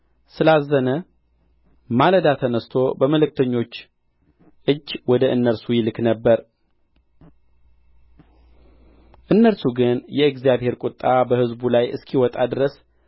ስላዘነ ማለዳ ተነሥቶ በመልእክተኞቹ እጅ ወደ እነርሱ ይልክ ነበር እነርሱ ግን የእግዚአብሔር ቍጣ በሕዝቡ ላይ እስኪወጣ ድረስ